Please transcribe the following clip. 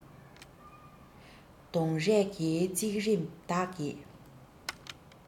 གདོང རས ཀྱི བརྩེགས རིམ བདག གིས